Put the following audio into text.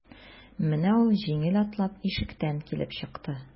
Менә ул җиңел атлап ишектән килеп чыкты.